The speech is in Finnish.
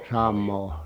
samaa